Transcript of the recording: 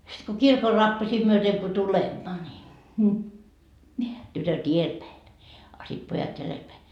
sitten kun kirkon rappusia myöten kun tulemme niin tytöt edelläpäin a sitten pojat jäljelläpäin